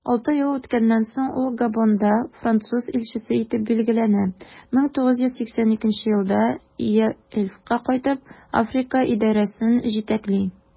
Алты ел үткәннән соң, ул Габонда француз илчесе итеп билгеләнә, 1982 елда Elf'ка кайтып, Африка идарәсен җитәкли.